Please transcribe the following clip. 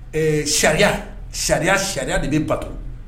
Ɛɛ sariya sariya sariya de bɛ bato